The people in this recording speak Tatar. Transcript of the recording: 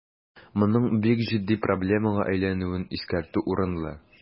Моның бик җитди проблемага әйләнүен искәртү урынлы.